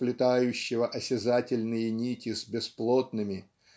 сплетающего осязательные нити с бесплотными